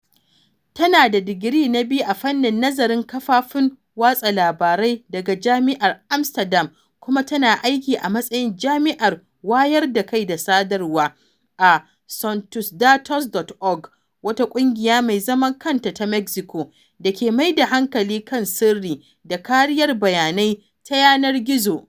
Tana da digiri na biyu a Fannin Nazarin Kafofin Watsa Labarai daga Jami’ar Amsterdam kuma tana aiki a matsayin jami’ar wayar da kai da sadarwa a SonTusDatos.org, wata ƙungiya mai zaman kanta ta Mexico da ke mai da hankali kan sirri da kariyar bayanai ta yanar gizo.